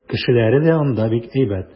Кешеләре дә анда бик әйбәт.